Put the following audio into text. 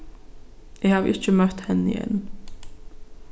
eg havi ikki møtt henni enn